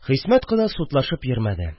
Хисмәт кода судлашып йөрмәде